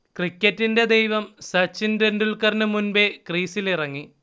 'ക്രിക്കറ്റിന്റെ ദൈവം' സച്ചിൻ ടെൻഡുൽക്കറിന് മുൻപേ ക്രീസിലിറങ്ങി